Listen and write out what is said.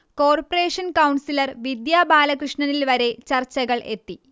corporation councillor Vidya ബാലകൃഷ്ണനിൽ വരെ ചർച്ചകൾ എത്തി